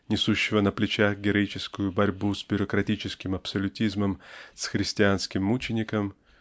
несущего на плечах героическую борьбу с бюрократическим абсолютизмом с христианским мучеником